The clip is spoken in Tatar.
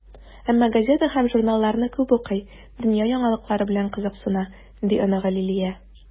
Әмма газета һәм журналларны күп укый, дөнья яңалыклары белән кызыксына, - ди оныгы Лилия.